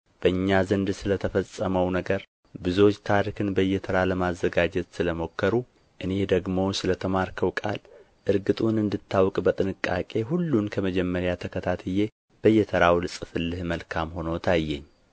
በኛ ዘንድ ስለ ተፈጸመው ነገር ብዙዎች ታሪክን በየተራው ለማዘጋጀት ስለ ሞከሩ እኔ ደግሞ ስለ ተማርኸው ቃል እርግጡን እንድታውቅ በጥንቃቄ ሁሉን ከመጀመሪያው ተከትዬ በየተራው ልጽፍልህ መልካም ሆኖ ታየኝ